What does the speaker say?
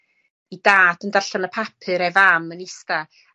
'i dad yn darllan y papur a'i fam yn ista.